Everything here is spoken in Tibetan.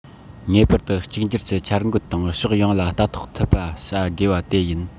ངེས པར དུ གཅིག གྱུར གྱི འཆར འགོད དང ཕྱོགས ཡོངས ལ ལྟ རྟོག ཐུབ པ བྱ དགོས པ དེ ཡིན